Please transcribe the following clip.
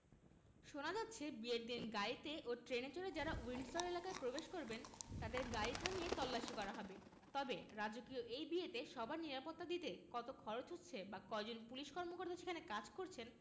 শোনা যাচ্ছে বিয়ের দিন গাড়িতে ও ট্রেনে চড়ে যাঁরা উইন্ডসর এলাকায় প্রবেশ করবেন তাঁদের গাড়ি থামিয়ে তল্লাশি করা হবে তবে রাজকীয় এই বিয়েতে সবার নিরাপত্তা দিতে কত খরচ হচ্ছে বা কয়জন পুলিশ কর্মকর্তা সেখানে কাজ করছেন